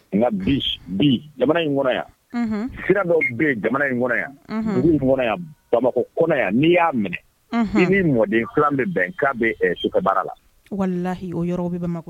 Nga bi jamana in kɔnɔ yan, sira dɔ bi jamana in kɔnɔ yan , Fugu in kɔnɔ yan, bamakɔ kɔnɔ yan ni ya minɛ i ni mɔden filan bi bɛn ka bɛ subara la .walahi o yɔrɔ bi bamakɔ